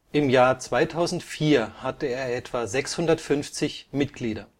Im Jahr 2004 hatte er etwa 650 Mitglieder